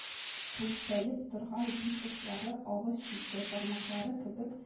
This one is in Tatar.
Бүлтәеп торган бит очлары, авыз чите, бармаклары кебек